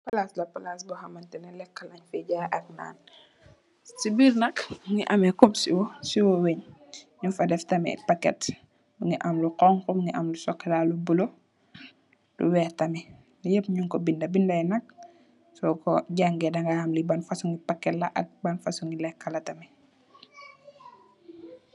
Palas la palas bi xamantenx leka len fi jaay ak naan si birr nak mongi ame kom siwo siwo weng nyung fa def tamit packet mongi lu xonxu mongi am lu chocola lu bulu lu weex tamit li yeep nyung ko binda binday nak soko jangeh daga ham ban fosong packet ak ban fosong ngi leka la tamit.